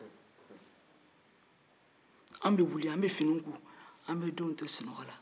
anw bɛ wuli ka fiw ko ka denw to sunɔgɔ la